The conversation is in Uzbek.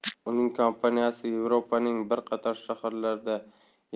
uning kompaniyasi yevropaning bir qator shaharlarida